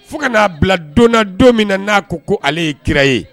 Fo ka n'a biladonna don min na n'a ko ko ale ye kira ye